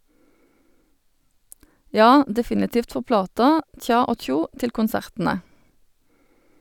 Ja, definitivt for plata, tja og tjo, til konsertene.